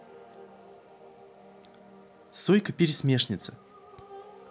сойка пересмешница